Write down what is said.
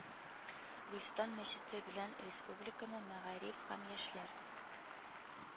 Гөлстан мәчете белән республиканың Мәгариф һәм яшьләр